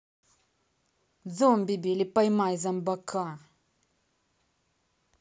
зомбиби или поймай зомбака